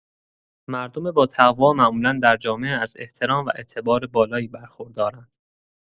مردم باتقوا معمولا در جامعه از احترام و اعتبار بالایی برخوردارند.